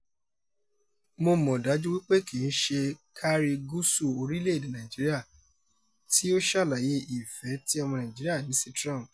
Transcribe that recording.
Mo mọ̀ dájú wípé kì í ṣe káríi gúúsù orílẹ̀-èdèe Nàìjíríà, tí ó ṣàlàyé ìfẹ́ tí ọmọ Nàìjíríà ní sí Trump.